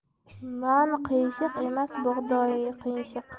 non qiyshiq emas bug'doyi qiyshiq